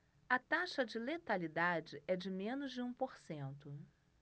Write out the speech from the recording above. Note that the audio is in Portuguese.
a taxa de letalidade é de menos de um por cento